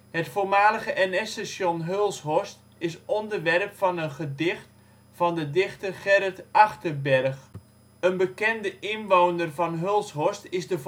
Het voormalige NS-station Hulshorst is onderwerp van een gedicht van de dichter Gerrit Achterberg. Een bekende inwoner van Hulshorst is de voormalige